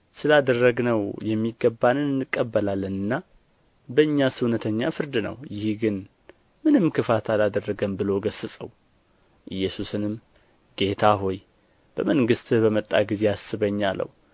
ስለ አደረግነውም የሚገባንን እንቀበላለንና በእኛስ እውነተኛ ፍርድ ነው ይህ ግን ምንም ክፋት አላደረገም ብሎ ገሠጸው ኢየሱስንም ጌታ ሆይ በመንግሥትህ በመጣህ ጊዜ አስበኝ አለው